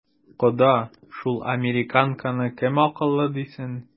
Кода, шул американканы кем акыллы дисен?